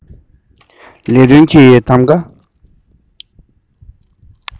ལས དོན གྱི གདམ ཀ